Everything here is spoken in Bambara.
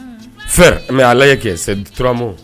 Fer mais a lajɛ kɛ c'est du trois mots